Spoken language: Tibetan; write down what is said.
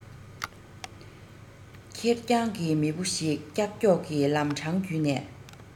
ཁེར རྐྱང གི མི བུ ཞིག ཀྱག ཀྱོག གི ལམ འཕྲང རྒྱུད ནས